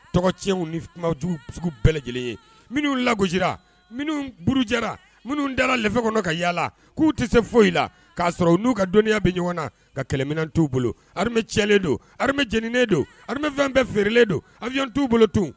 Tɔgɔ cɛ niju bɛɛ lajɛlen ye minnu lagosira minnu b jɛra minnu dalalɛfɛ kɔnɔ ka yalala k'u tɛ se foyi i la k'a sɔrɔ u n'u ka dɔnniya bɛ ɲɔgɔn na ka kɛlɛminɛ t'u bolo cɛlen don jeninen donmɛfɛn bɛɛ feereerelen don abuy t'u bolo don